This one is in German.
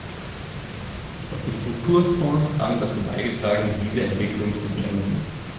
Doch die Strukturfonds haben dazu beigetragen, diese Entwicklung zu bremsen.